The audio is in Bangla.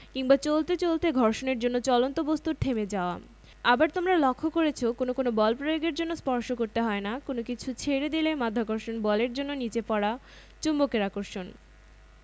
এই সৃষ্টিজগতের সকল বস্তু তাদের ভরের কারণে একে অপরকে যে বল দিয়ে আকর্ষণ করে সেটাই হচ্ছে মহাকর্ষ বল এই মহাকর্ষ বলের কারণে গ্যালাক্সির ভেতরে